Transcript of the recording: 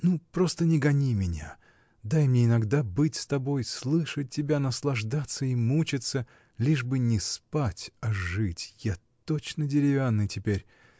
Ну, просто, не гони меня, дай мне иногда быть с тобой, слышать тебя, наслаждаться и мучиться, лишь бы не спать, а жить: я точно деревянный теперь!